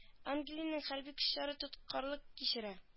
Англиянең хәрби көчләре тоткарлык кичерә